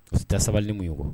Ta sabalilen mun yeɔgɔ